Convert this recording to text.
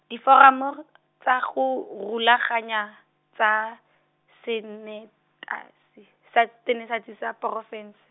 diforamo, tsa go rulaganya, tsa, sanetasi, sa ya porofense.